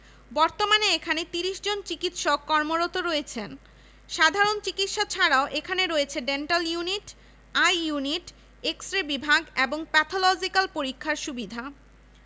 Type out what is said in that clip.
বর্তমানে এখানে ৩০ জন চিকিৎসক কর্মরত রয়েছেন সাধারণ চিকিৎসা ছাড়াও এখানে রয়েছে dental unit eye unit X ray বিভাগ এবং প্যাথলজিক্যাল পরীক্ষার সুবিধা